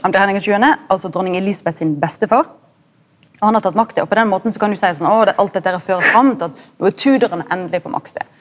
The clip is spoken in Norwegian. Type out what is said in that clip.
han blir Henrik den sjuande altså dronning Elizabeths sin bestefar og han har tatt makta og på den måten så kan du seie sånn å det er alt dette her har ført han til at no er Tudorane endeleg på makta.